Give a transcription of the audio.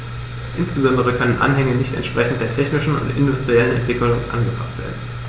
Insbesondere können Anhänge nicht entsprechend der technischen und industriellen Entwicklung angepaßt werden.